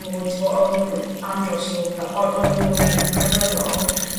mod... O oddan nw'n andros o fe- o odden nw'n yym crefyddol